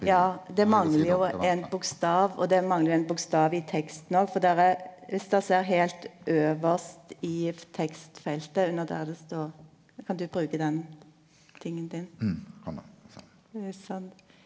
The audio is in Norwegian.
ja det manglar jo ein bokstav og det manglar jo ein bokstav i teksten òg for der er viss dokker ser heilt øvst i tekstfeltet under der det står kan du bruke den tingen din?